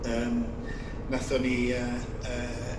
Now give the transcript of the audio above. yym nathon ni yy yy